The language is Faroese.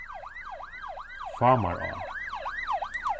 fámará